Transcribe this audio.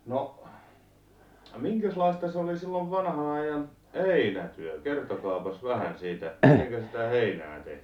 no minkäslaista se oli silloin vanhan ajan heinätyö kertokaapas vähän siitä miten sitä heinää tehtiin